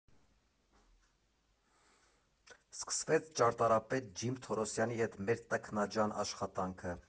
Սկսվեց ճարտարապետ Ջիմ Թորոսյանի հետ մեր տքնաջան աշխատանքը։